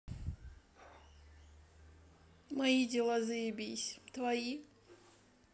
мои дела заебись твои